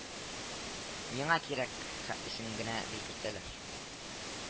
Миңа кирәк хәтлесен генә белгертәләр